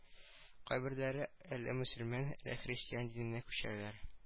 Кайберләре әле мөселман әле христиан диненә күчәләр